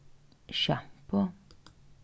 sjampo